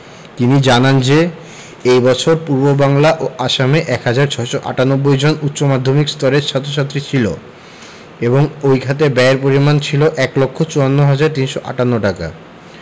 তিনি জানান যে এই বছর পূর্ববাংলা ও আসামে ১ হাজার ৬৯৮ জন উচ্চ মাধ্যমিক স্তরের ছাত্র ছাত্রী ছিল এবং ওই খাতে ব্যয়ের পরিমাণ ছিল ১ লক্ষ ৫৪ হাজার ৩৫৮ টাকা